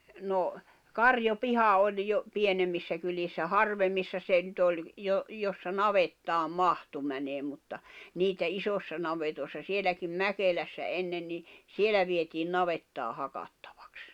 no karjapiha oli jo pienemmissä kylissä harvemmissa se nyt oli - jossa navettaan mahtui menemään mutta niitä isoissa navetoissa sielläkin Mäkelässä ennen niin siellä vietiin navettaa hakattavaksi